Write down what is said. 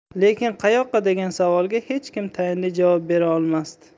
lekin qayoqqa degan savolga hech kim tayinli javob bera olmasdi